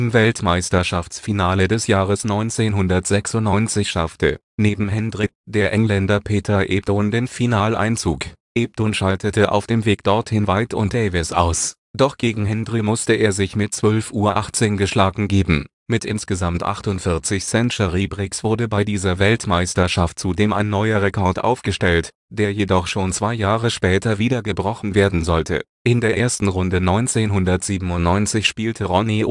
Weltmeisterschaftsfinale des Jahres 1996 schaffte, neben Hendry, der Engländer Peter Ebdon den Finaleinzug. Ebdon schaltete auf dem Weg dorthin White und Davis aus, doch gegen Hendry musste er sich mit 12:18 geschlagen geben. Mit insgesamt 48 Century-Breaks wurde bei dieser Weltmeisterschaft zudem ein neuer Rekord aufgestellt, der jedoch schon zwei Jahre später wieder gebrochen werden sollte. In der ersten Runde 1997 spielte Ronnie